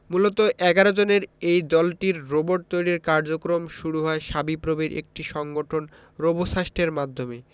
মূলত ১১ জনের এই দলটির রোবট তৈরির কার্যক্রম শুরু হয় শাবিপ্রবির একটি সংগঠন রোবোসাস্টের মাধ্যমে